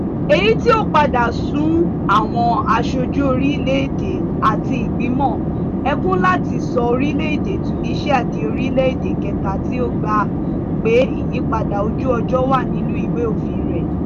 Èyí tí ó padà sún àwọn aṣojú orílẹ̀ èdè àti ìgbìmọ̀ ẹkùn láti sọ orílẹ̀ èdè Tunisia di orílẹ̀ èdè kẹta tí ó gbà pé ìyípadà ojú ọjọ́ wà nínú ìwé òfin rẹ̀.